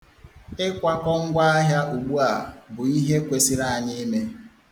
Ikwakọ ngwaahịa ugbua bụ ihe kwesịrị anyị ime.